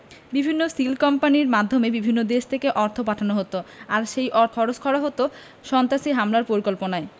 বিভিন্ন সিল কোম্পানির মাধ্যমে বিভিন্ন দেশ থেকে অর্থ পাঠানো হতো আর সেই অর্থ খরচ করা হতো সন্ত্রাসী হামলার পরিকল্পনায়